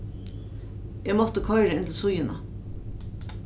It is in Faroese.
eg mátti koyra inn til síðuna